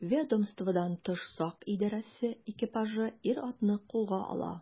Ведомстводан тыш сак идарәсе экипажы ир-атны кулга ала.